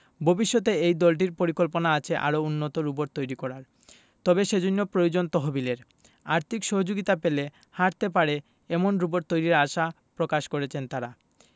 ভবিষ্যতে এই দলটির পরিকল্পনা আছে আরও উন্নত রোবট তৈরি করার তবে সেজন্য প্রয়োজন তহবিলের আর্থিক সহযোগিতা পেলে হাটতে পারে এমন রোবট তৈরির আশা প্রকাশ করেছেন তারা